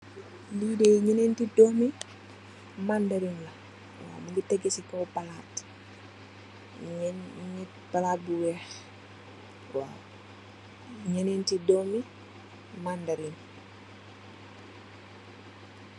Li ñénti domi mandarin la, mugii tégu ci kaw palaat bu wèèx.